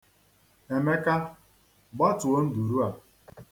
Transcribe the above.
Emeka, gbatuo nduru a.